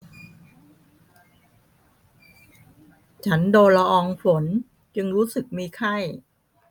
ฉันโดนละอองฝนจึงรู้สึกมีไข้